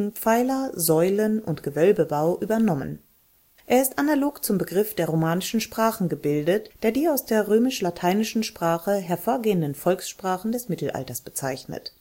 Pfeiler, Säulen und Gewölbebau übernommen waren. Er ist analog zum Begriff der „ romanischen Sprachen “gebildet, der die aus der römisch-lateinischen Sprache hervorgehenden Volkssprachen des Mittelalters bezeichnet